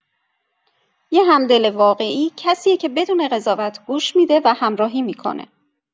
یه همدل واقعی کسیه که بدون قضاوت گوش می‌ده و همراهی می‌کنه.